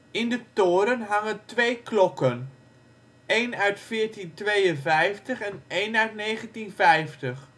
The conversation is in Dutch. In de toren hangen twee klokken; een uit 1452 en een uit 1950. De